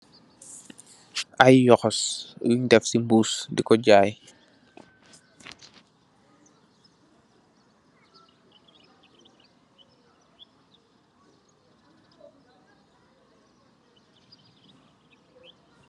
Ay yókós yun def ci mbuus diko jay.